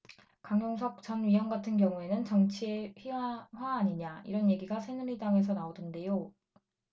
강용석 전 의원 같은 경우에는 정치의 희화화 아니냐 이런 얘기가 새누리당에서 나오던데요